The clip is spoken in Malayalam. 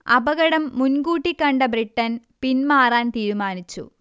അപകടം മുൻകൂട്ടി കണ്ട ബ്രിട്ടൻ പിന്മാറാൻ തീരുമാനിച്ചു